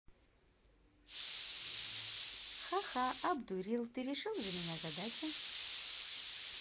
ха ха обдурил ты решил за меня задачи